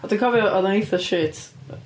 Dwi'n cofio oedd o'n eitha shit.